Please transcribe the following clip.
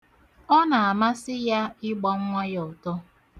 Ọ na-amasị ya ịgba nwa ya ọtọ.